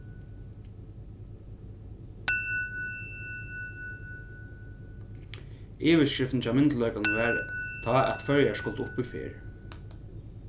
yvirskriftin hjá myndugleikunum var tá at føroyar skuldu upp í ferð